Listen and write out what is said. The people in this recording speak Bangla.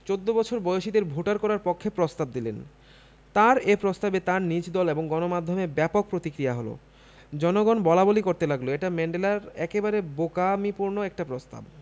১৪ বছর বয়সীদের ভোটার করার পক্ষে প্রস্তাব দিলেন তাঁর এ প্রস্তাবে তাঁর নিজ দল এবং গণমাধ্যমে ব্যাপক প্রতিক্রিয়া হলো জনগণ বলাবলি করতে লাগল এটা ম্যান্ডেলার একেবারে বোকামিপূর্ণ একটা প্রস্তাব